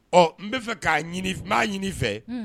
Ɔ n bɛ fɛ k'a ɲini n b'a ɲini i fɛ